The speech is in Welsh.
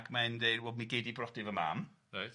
ac mae'n dweud wel mi gei di brodi fy mam. Reit.